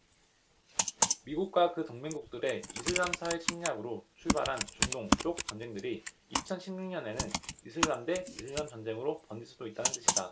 미국과 그 동맹국들의 이슬람사회 침략으로 출발한 중동 쪽 전쟁들이 이천 십 육 년에는 이슬람 대 이슬람 전쟁으로 번질 수도 있다는 뜻이다